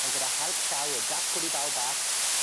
On' gyda help llaw y jac codi baw bach,